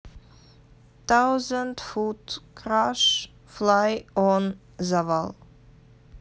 thousand foot krutch fly on завал